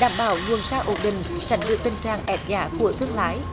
đảm bảo nguồn ra ổn định tránh được tình trạng ép giá của thương lái